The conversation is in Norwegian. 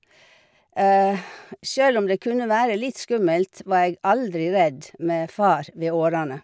Sjøl om det kunne være litt skummelt, var jeg aldri redd med far ved årene.